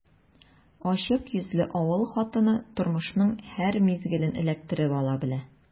Ачык йөзле авыл хатыны тормышның һәр мизгелен эләктереп ала белә.